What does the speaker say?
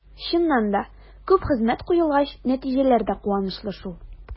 Чыннан да, күп хезмәт куелгач, нәтиҗәләр дә куанычлы шул.